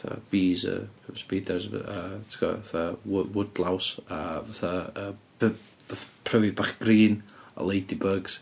Yy bees a spiders a petha a ti gwbod, fatha wo- woodlouse a fatha y be, fatha pryfid bach green a ladybugs.